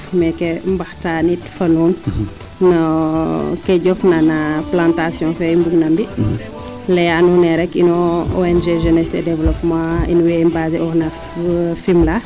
meeke mbaxtanit fa nuun no kee jofna na plantation fee i mbung na mbi leya nuun e rek no ONG jeunesse et developpement in way basé ooxa no Fimela